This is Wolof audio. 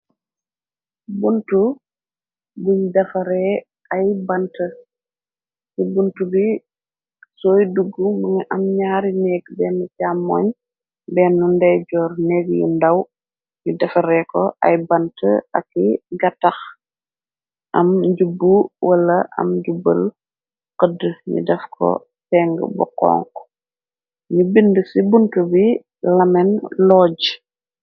buntu buñ defaree ay bant ci bunt bi sooy dugg bungi am ñaari nekg benn jàmmoñ benn ndey joor neg yu ndàw li defa ree ko ay bant aki gatax am njubb wala am jubbal xëdd ni daf ko teng bo xonk ni bind ci bunt bi lamen loje